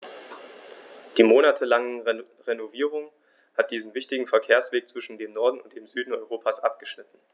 Die monatelange Renovierung hat diesen wichtigen Verkehrsweg zwischen dem Norden und dem Süden Europas abgeschnitten.